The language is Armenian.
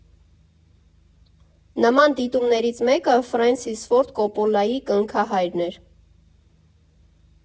Նման դիտումներից մեկը Ֆրենսիս Ֆորդ Կոպպոլայի «Կնքահայրն» էր։